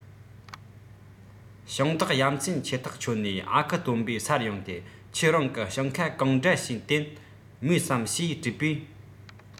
ཞིང བདག ཡ མཚན ཆེ ཐག ཆོད ནས ཨ ཁུ སྟོན པའི སར ཡོང སྟེ ཁྱེད རང གི ཞིང ཁ གང འདྲ བྱས དན རྨོས སམ ཞེས དྲིས པས